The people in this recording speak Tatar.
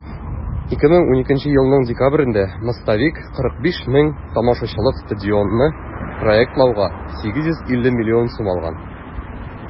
2012 елның декабрендә "мостовик" 45 мең тамашачылык стадионны проектлауга 850 миллион сум алган.